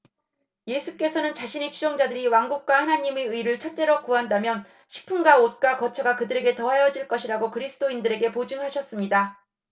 예수께서는 자신의 추종자들이 왕국과 하느님의 의를 첫째로 구한다면 식품과 옷과 거처가 그들에게 더하여질 것이라고 그리스도인들에게 보증하셨습니다